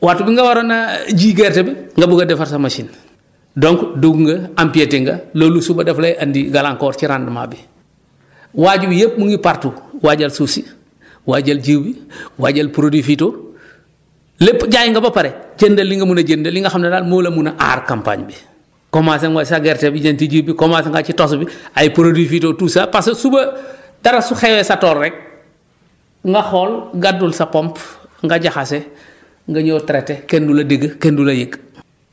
waxtu bi nga waroon a ji gerte bi nga bugg a defar sa machine donc dugg nga ampiéter nga loolu suba daf lay andi gàllankoor ca rendement bi waaj bi yëpp mi ngi partout waajal suuf si waajal jiw bi waajal produits phyto lépp jaay nga ba pare jëndal li nga mën a jënd li nga xam ne daal moo la mën a aar campagne bi commencé mooy sa gerte bi lijjanti jiw bi commencé nga ci tos bi ay produits phyto tout ça parce que suba dara su xewee sa tool rek nga xool gaddul sa pompe nga jaxase nga ñëw traiter kenn du la dégg kenn du la yëg